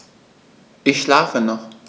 Ich schlafe noch.